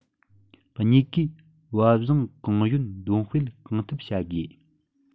གཉིས ཀའི བབ བཟང གང ཡོད འདོན སྤེལ གང ཐུབ བྱ དགོས